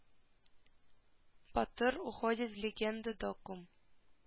Батыр уходит в легенду докум